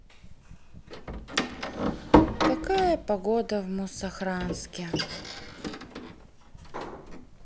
какая погода в мусохранске